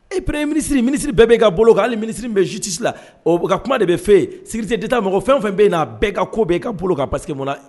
E ppree minisiri minisiri bɛɛ bɛ e ka bolo k' hali minisiri bɛ zusi la ka kuma de bɛ fɛ yen siridite d taa a mɔgɔ fɛn o fɛn bɛ yen n'a bɛɛ ka ko bɛ yen e ka bolo k' pa ma na